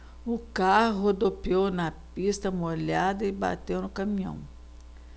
o carro rodopiou na pista molhada e bateu no caminhão